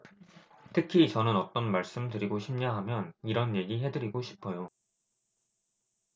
특히 저는 어떤 말씀 드리고 싶냐하면 이런 얘기 해드리고 싶어요